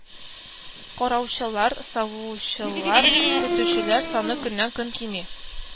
Караучылар, савучылар, көтүчеләр саны көннән-көн кими